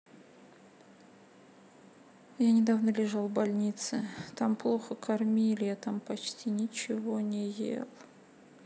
я недавно лежал в больнице там плохо кормили я там почти ничего не ел